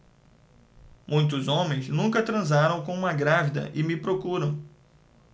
muitos homens nunca transaram com uma grávida e me procuram